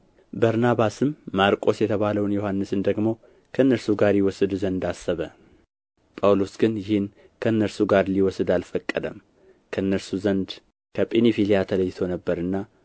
በርናባስም ማርቆስ የተባለውን ዮሐንስን ደግሞ ከእነርሱ ጋር ይወስድ ዘንድ አሰበ ጳውሎስ ግን ይህን ከእነርሱ ጋር ሊወስድ አልፈቀደም ከእነርሱ ዘንድ ከጵንፍልያ ተለይቶ ነበርና